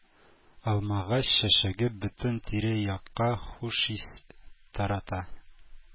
Алмагач чәчәге бөтен тирә-якка хуш ис тарата.